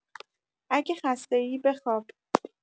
اگه خسته‌ای، بخواب